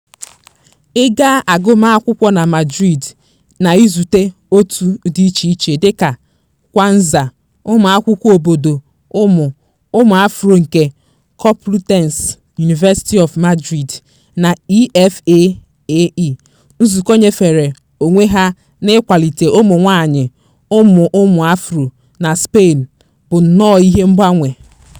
Ịga agụmakwụkwọ na Madrid na izute òtù dị icheiche dịka Kwanzza [ụmụakwụkwọ obodo ụmụ ụmụ-afro nke Complutense University of Madrid] na E.FA.A.E [Nzukọ nyefere onwe ha 'n'ịkwalite ụmụnwaanyị ụmụ ụmụ-afro' na Spain] bụ nnọọ ihe mgbanwe.